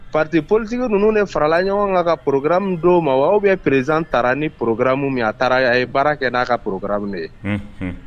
Partis politiques ninnu de farala ɲɔgɔn kan ka programme do u ma wa ou bien président taara ni programme min ye a taara a ye baara kɛ n'a ka programme de ye unhun